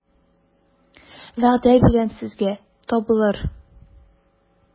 Вәгъдә бирәм сезгә, табылыр...